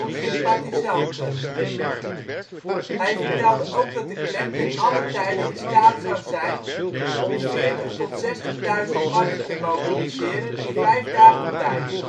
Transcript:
sympathisanten. Hij vertelde ook dat de Klan te allen tijde in staat zou zijn om 40.000 tot 60.000 mannen te mobiliseren in vijf dagen tijd